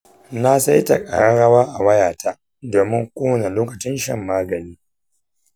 na saita ƙararrawa a wayata domin kowane lokacin shan magani.